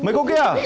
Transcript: mấy cô kia